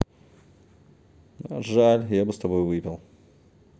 жаль я бы с тобой выпил